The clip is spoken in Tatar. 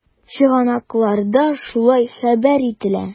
Чыганакларда шулай хәбәр ителә.